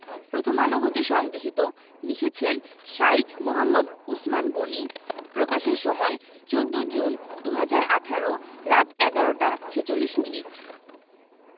প্রথমআলো হতে সংগৃহীত লিখেছেন শাঈখ মুহাম্মদ উছমান গনী প্রকাশের সময় ১৪ জুন ২০১৮ রাত ১১টা ৪৬ মিনিট